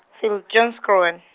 Viljoenskroon.